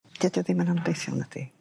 Dydi o ddim yn anobeithiol nadi.